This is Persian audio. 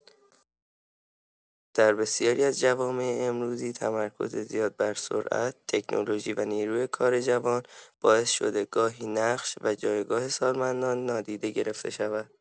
در بسیاری از جوامع امروزی تمرکز زیاد بر سرعت، تکنولوژی و نیروی کار جوان باعث شده گاهی نقش و جایگاه سالمندان نادیده گرفته شود.